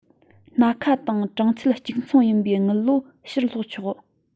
སྣ ཁ དང གྲངས ཚད གཅིག མཚུངས ཡིན པའི དངུལ ལོར ཕྱིར བསློགས ཆོག